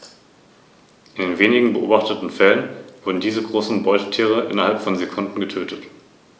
Der Nacken ist goldgelb.